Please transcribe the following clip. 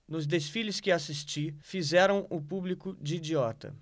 nos desfiles que assisti fizeram o público de idiota